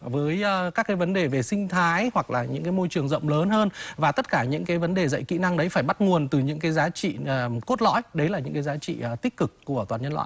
với ơ các cái vấn đề về sinh thái hoặc là những cái môi trường rộng lớn hơn và tất cả những cái vấn đề dạy kỹ năng đấy phải bắt nguồn từ những cái giá trị à cốt lõi đấy là những cái giá trị ờ tích cực của toàn nhân loại